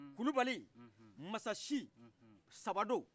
kulibali masacin sabado